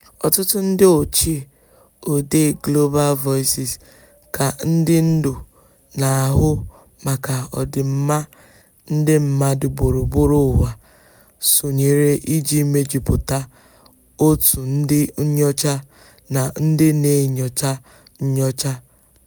Ọtụtụ ndị ochie odee Global Voices ka ndị ndú na-ahụ maka ọdịmma ndị mmadụ gburugburu ụwa sonyeere iji mejupụta òtù ndị nnyocha na ndị na-enyocha nnyocha.